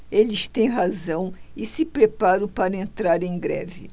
eles têm razão e se preparam para entrar em greve